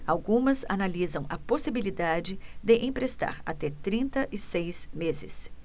algumas analisam a possibilidade de emprestar até trinta e seis meses